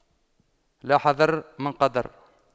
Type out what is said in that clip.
لا حذر من قدر